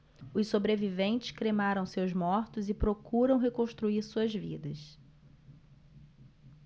os sobreviventes cremaram seus mortos e procuram reconstruir suas vidas